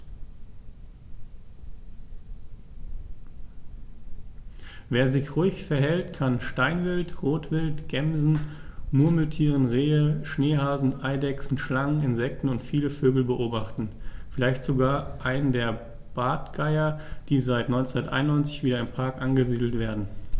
Wer sich ruhig verhält, kann Steinwild, Rotwild, Gämsen, Murmeltiere, Rehe, Schneehasen, Eidechsen, Schlangen, Insekten und viele Vögel beobachten, vielleicht sogar einen der Bartgeier, die seit 1991 wieder im Park angesiedelt werden.